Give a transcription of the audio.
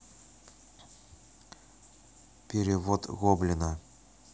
перевод гоблина